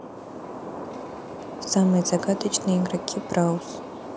самые загадочные игроки браус